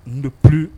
N dep